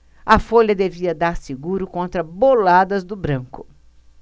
a folha devia dar seguro contra boladas do branco